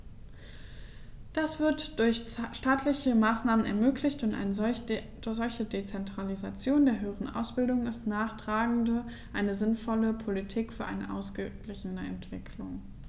Das wird durch staatliche Maßnahmen ermöglicht, und eine solche Dezentralisation der höheren Ausbildung ist nachgerade eine sinnvolle Politik für eine ausgeglichene Entwicklung.